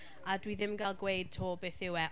A dwi ddim yn gael gweud eto beth yw e.